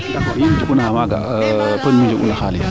ndaa maaga pod num nu njegu no xalis